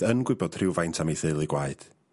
...yn gwybod rhyw faint am ei theulu gwaed.